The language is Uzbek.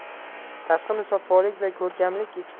tashqi musaffolik va ko'rkamlik ichki